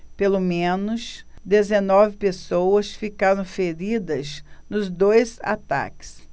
pelo menos dezenove pessoas ficaram feridas nos dois ataques